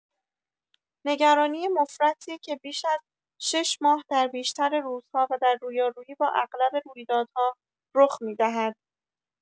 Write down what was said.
نگرانی مفرطی که بیش از شش ماه در بیشتر روزها و در رویارویی با اغلب رویدادها رخ می‌دهد.